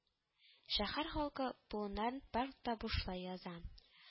Шәһәр халкы буынарын паркта бушлай яза